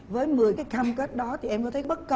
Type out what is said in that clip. với mười cam kết đó thì em có thấy bất công